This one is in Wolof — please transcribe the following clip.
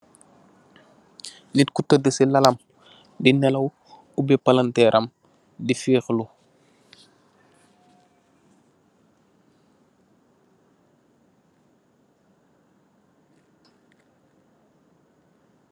Nit ku tëddë si lalam di feekh lu, ubi palanteeram, di feekh lu.